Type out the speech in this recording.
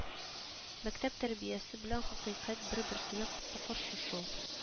Мәктәп тәрбиясе белән хакыйкать бер-берсенә капмакаршы шул